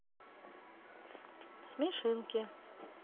смешинки